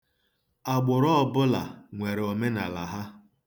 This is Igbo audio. Agbụrụ ọbụla nwere omenala ha.